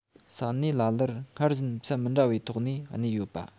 ས གནས ལ ལར སྔར བཞིན ཚད མི འདྲ བའི ཐོག ནས གནས ཡོད པ